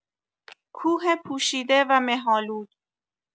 کوه پوشیده و مه‌آلود